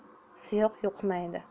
siyoh yuqmaydi